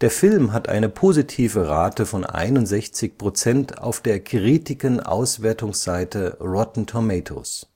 Film hat eine positive Rate von 61% auf der Kritikenauswertungsseite Rotten Tomatoes